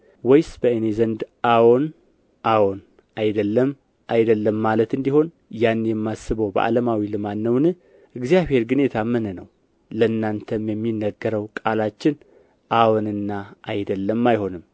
ወይስ በእኔ ዘንድ አዎን አዎን አይደለም አይደለም ማለት እንዲሆን ያን የማስበው በዓለማዊ ልማድ ነውን እግዚአብሔር ግን የታመነ ነው ለእናንተም የሚነገረው ቃላችን አዎንና አይደለም አይሆንም